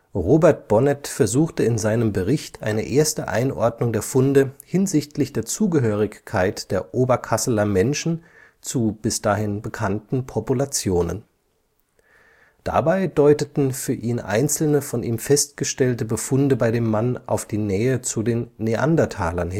Robert Bonnet versuchte in seinem Bericht eine erste Einordnung der Funde hinsichtlich der Zugehörigkeit der Oberkasseler Menschen zu bis dahin bekannten Populationen. Dabei deuteten für ihn einzelne von ihm festgestellte Befunde bei dem Mann auf die Nähe zu den Neandertalern